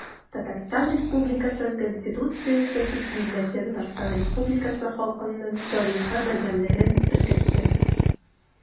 Татарстан Республикасы Конституциясе күпмилләтле Татарстан Республикасы халкының тарихы бердәмлеген беркетте.